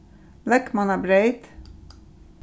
løgmannabreyt